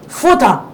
Fo tan